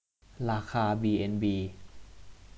ราคาบีเอ็นบี